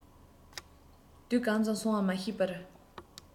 དུས གང ཙམ སོང བ མ ཤེས པར